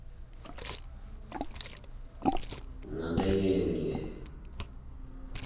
надоели мне